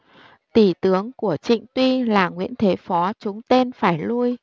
tỳ tướng của trịnh tuy là nguyễn thế phó trúng tên phải lui